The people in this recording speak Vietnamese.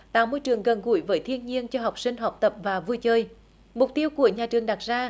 tạo môi trường gần gũi với thiên nhiên cho học sinh học tập và vui chơi mục tiêu của nhà trường đặt ra